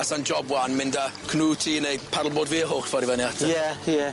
A sa'n job 'wan mynd â kanŵ ti neu paddleboard fi yr holl ffordd i fyny at y... Ie ie.